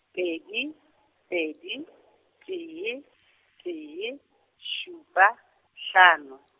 pedi, pedi , tee, tee, šupa, hlano.